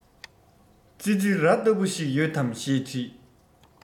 ཙི ཙི ར ལྟ བུ ཞིག ཡོད དམ ཞེས དྲིས